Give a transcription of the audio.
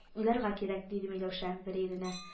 — уйларга кирәк, — диде миләүшә, бер иренә